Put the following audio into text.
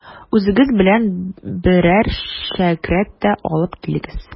Үзегез белән берәр шәкерт тә алып килегез.